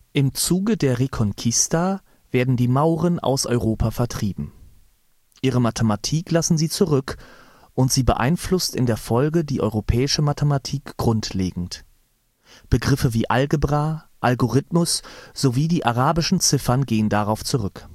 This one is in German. Im Zuge der Reconquista werden die Mauren aus Europa vertrieben. Ihre Mathematik lassen sie zurück und sie beeinflusst in der Folge die europäische Mathematik grundlegend. Begriffe wie Algebra, Algorithmus sowie die arabischen Ziffern gehen darauf zurück